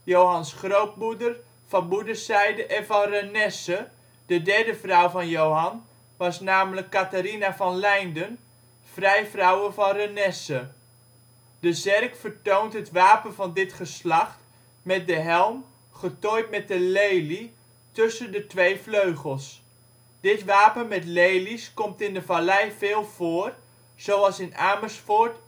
Johans grootmoeder van moederszijde en van Renesse (de derde vrouw van Johan was namelijk Catharina van Lijnden, Vrijvrouwe van Renesse). De zerk vertoont het wapen van dit geslacht met de helm, getooid met de lelie tussen de twee vleugels. Dit wapen met lelies komt in de Vallei veel voor, zoals in Amersfoort